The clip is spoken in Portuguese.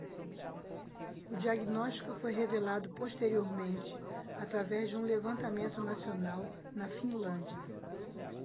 o diagnóstico foi revelado posteriormente através de um levantamento nacional na finlândia